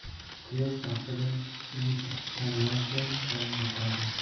quyosh baxtidan entikkanlarga ham boqadi